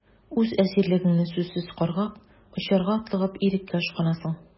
Үз әсирлегеңне сүзсез каргап, очарга атлыгып, иреккә ашкынасың...